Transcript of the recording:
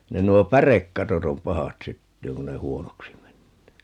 ne nuo pärekatot on pahat syttymään kun ne huonoksi menee